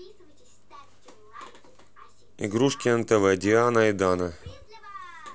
игрушки нтв диана и дана